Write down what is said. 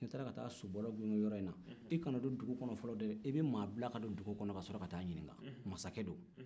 n'i taara sobɔlɔ gingin yɔrɔ in na i kana don dugu kɔnɔ fɔlɔ dɛ i bɛ maa bila ka don dugu kɔnɔ ka sɔrɔ ka t'a ɲininka mansakɛ don